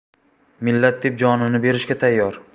millat deb jonini berishga tayyor